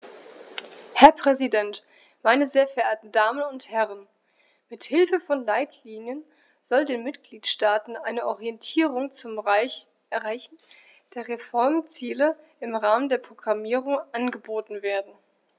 Herr Präsident, meine sehr verehrten Damen und Herren, mit Hilfe von Leitlinien soll den Mitgliedstaaten eine Orientierung zum Erreichen der Reformziele im Rahmen der Programmierung angeboten werden.